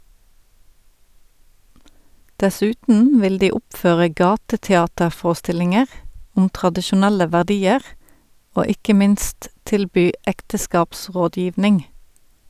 Dessuten vil de oppføre gateteaterforestillinger om tradisjonelle verdier , og ikke minst tilby ekteskapsrådgivning.